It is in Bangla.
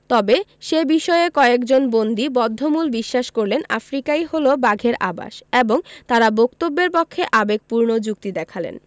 তবে সে সময়ে কয়েকজন বন্দী বদ্ধমূল বিশ্বাস করলেন আফ্রিকাই হলো বাঘের আবাস এবং তারা বক্তব্যের পক্ষে আবেগপূর্ণ যুক্তি দেখালেন